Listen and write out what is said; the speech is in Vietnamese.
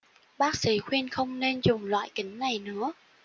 bác sĩ khuyên không nên dùng loại kính này nữa